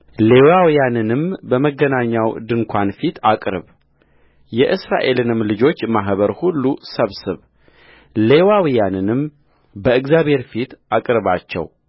ሌዋውያንንም በመገናኛው ድንኳን ፊት አቅርብ የእስራኤልንም ልጆች ማኅበር ሁሉ ሰብስብሌዋውያንንም በእግዚአብሔር ፊት አቅርባቸው